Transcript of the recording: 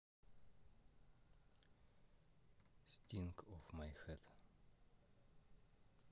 sting of my heart